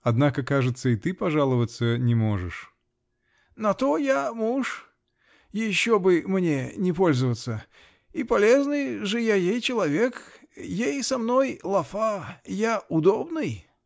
-- Однако, кажется, и ты пожаловаться не можешь? -- На то я муж. Еще бы мне не пользоваться! И полезный же я ей человек! Ей со мной -- лафа! Я -- удобный!